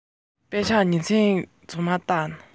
ཡར བརྐྱངས མར བརྐྱངས